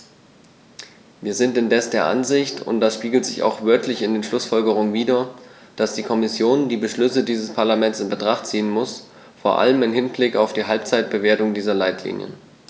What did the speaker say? Wir sind indes der Ansicht und das spiegelt sich auch wörtlich in den Schlussfolgerungen wider, dass die Kommission die Beschlüsse dieses Parlaments in Betracht ziehen muss, vor allem im Hinblick auf die Halbzeitbewertung dieser Leitlinien.